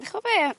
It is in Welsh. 'dych ch'bo' be'